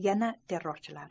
yana terrorchilar